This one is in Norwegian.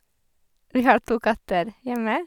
Vi har to katter hjemme.